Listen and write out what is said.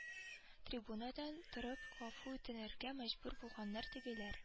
Трибунадан торып гафу үтенергә мәҗбүр булганнар тегеләр